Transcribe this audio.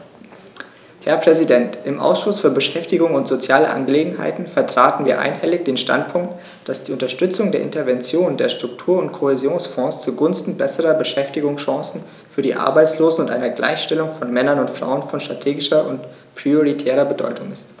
Herr Präsident, im Ausschuss für Beschäftigung und soziale Angelegenheiten vertraten wir einhellig den Standpunkt, dass die Unterstützung der Interventionen der Struktur- und Kohäsionsfonds zugunsten besserer Beschäftigungschancen für die Arbeitslosen und einer Gleichstellung von Männern und Frauen von strategischer und prioritärer Bedeutung ist.